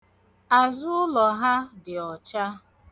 Azụụlọ ahụ buru ibu.̣